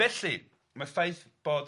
Felly, ma'r ffaith bod